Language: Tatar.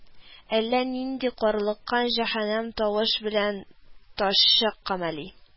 Әллә нинди карлыккан җәһәннәм тавыш белән ташчы Камали: